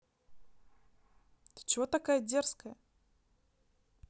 ты чего такая дерзкая